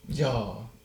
jaa